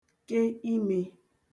ke imē